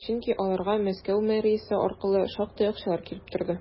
Чөнки аларга Мәскәү мэриясе аркылы шактый акчалар килеп торды.